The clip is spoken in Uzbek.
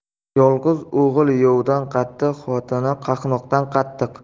yolg'iz o'g'il yovdan qattiq xotini qahnoqdan qattiq